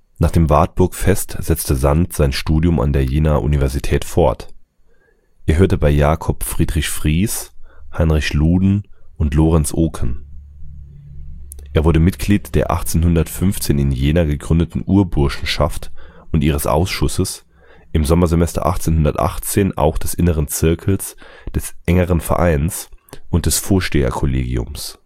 Nach dem Wartburgfest setzte Sand sein Studium an der Jenaer Universität fort – er hörte bei Jakob Friedrich Fries, Heinrich Luden und Lorenz Oken. Er wurde Mitglied der 1815 in Jena gegründeten Urburschenschaft und ihres Ausschusses, im Sommersemester 1818 auch des inneren Zirkels, des engeren Vereins und des Vorsteherkollegiums